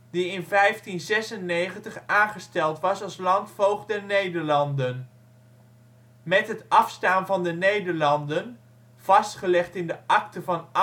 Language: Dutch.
die in 1596 aangesteld was als landvoogd der Nederlanden. Met het afstaan van de Nederlanden, vastgelegd in de Akte van